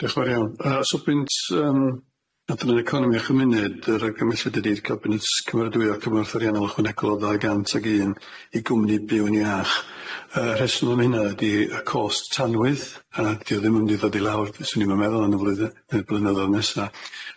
Diolch yn fawr iawn, yy so pwynt yym adran yr economi a chymuned yr yy cymhelled ydi cabinet cymeradwya cymorth ariannol ychwanegol ddau gant ag un i gwmni byw'n iach, yy rheswm am hynna ydi y cost tanwydd, a di o ddim mynd i ddod i lawr be swn i'm yn meddwl yn y flwyddyn y blynyddodd nesa.